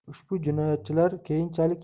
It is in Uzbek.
ushbu jinoyatchilar keyinchalik